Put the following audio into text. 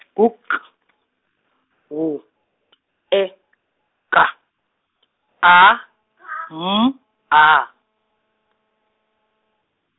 ngu K, W, E, G, A, M, A.